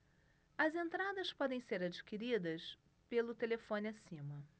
as entradas podem ser adquiridas pelo telefone acima